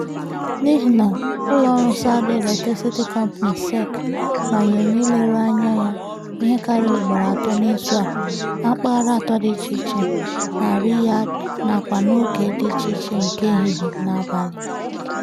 N'ihi na ụlọọrụ Saudi Electricity Company (SEC) manyere ya ileru ya anya ya ihe karịrị ugboro atọ n'izu a na mpaghara atọ dị icheiche na Riyadh nakwa n'oge dị icheiche nke ehihie na abalị.